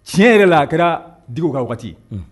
Tiɲɛ yɛrɛ la a kɛra dugu kan waati